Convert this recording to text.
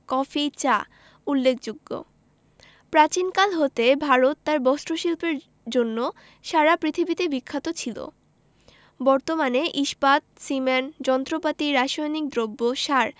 coffee চা উল্লেখযোগ্য প্রাচীনকাল হতে ভারত তার বস্ত্রশিল্পের জন্য সারা পৃথিবীতে বিখ্যাত ছিল বর্তমানে ইস্পাত সিমেন্ট যন্ত্রপাতি রাসায়নিক দ্রব্য সার